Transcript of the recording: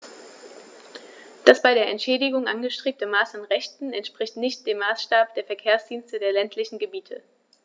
Das bei der Entschädigung angestrebte Maß an Rechten entspricht nicht dem Maßstab der Verkehrsdienste der ländlichen Gebiete.